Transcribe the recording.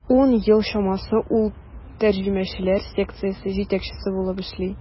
Ун ел чамасы ул тәрҗемәчеләр секциясе җитәкчесе булып эшли.